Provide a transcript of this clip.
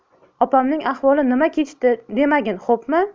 opamning ahvoli nima kechdi demagin xo'pmi